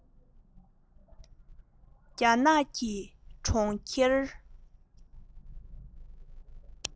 རྒྱ ནག གི གྲོང ཁྱེར